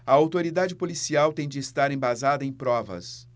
a autoridade policial tem de estar embasada em provas